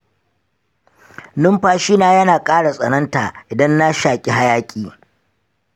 numfashina yana ƙara tsananta idan na shaƙi hayaƙi.